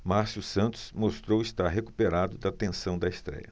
márcio santos mostrou estar recuperado da tensão da estréia